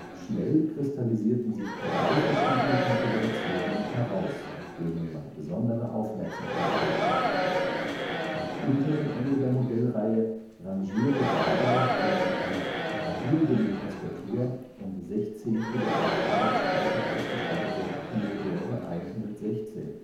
Schnell kristallisierten sich drei verschiedene Konfigurationen heraus, denen man besondere Aufmerksamkeit schenkte: Am unteren Ende der Modellreihe rangierte dabei der mit einer Radiergummitastatur und 16 KB Arbeitsspeicher ausgestattete Commodore 116